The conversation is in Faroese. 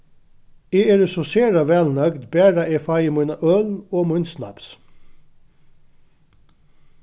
eg eri so sera væl nøgd bara eg fái mína øl og mín snaps